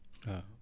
waaw